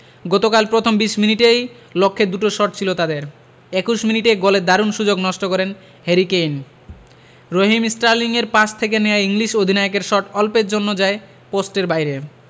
গতকাল প্রথম ২০ মিনিটেই লক্ষ্যে দুটো শট ছিল তাদের ২১ মিনিটে গোলের দারুণ সুযোগ নষ্ট করেন হ্যারি কেইন রহিম স্টার্লিংয়ের পাস থেকে নেওয়া ইংলিশ অধিনায়কের শট অল্পের জন্য যায় পোস্টের বাইরে